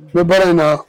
N bɛ baara in na